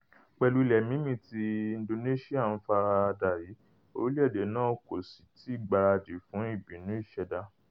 Pẹ̀lú ilẹ̀ mímí tí Indonesia ń faradà yii, orílẹ̀-èdè náà kò sì tíì gbaradì fún ìbínú ìṣẹ̀dá.